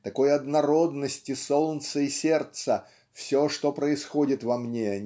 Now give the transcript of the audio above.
такой однородности солнца и сердца все что происходит во мне